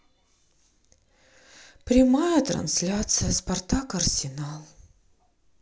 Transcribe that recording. прямая трансляция спартак арсенал